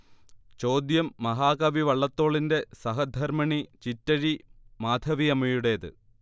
ചോദ്യം മഹാകവി വള്ളത്തോളിന്റെ സഹധർമ്മിണി ചിറ്റഴി മാധവിയമ്മയുടേത്